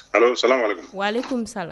Sa